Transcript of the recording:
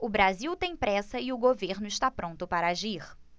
o brasil tem pressa e o governo está pronto para agir